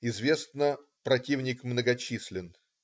Известно: противник многочислен.